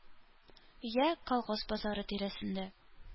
Йә колхоз базары тирәсендә